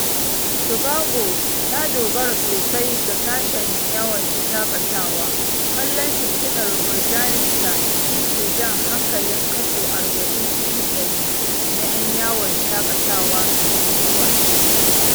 Tobago ta dogara sosai ga sashen yawon shaƙatawa, kallon shimfiɗar murjaninta shi ke jan hankalin kaso 40 cikin ɗari na 'yan yawon shaƙatawa da ke zuwa tsibirin.